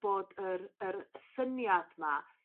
bod yr yr syniad 'ma